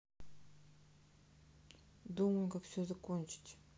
думаю как все закончить